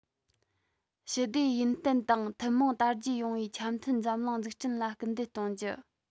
ཞི བདེ ཡུན བརྟན དང ཐུན མོང དར རྒྱས ཡོང བའི འཆམ མཐུན འཛམ གླིང འཛུགས སྐྲུན ལ སྐུལ འདེད གཏོང རྒྱུ